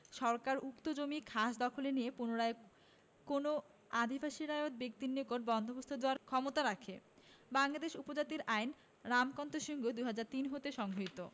সরকার উক্ত জমি খাসদখলে নিয়ে পুনরায় কোনও আদিবাসী রায়ত ব্যক্তির নিকট বন্দোবস্ত দেয়ার ক্ষমতারাখে বাংলাদেশের উপজাতিদের আইন রামকান্ত সিংহ ২০০৩ হতে সংগৃহীত